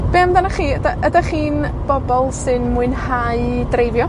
Be' amdanach chi? Dy- ydach chi'n bobol sy'n mwynhau dreifio?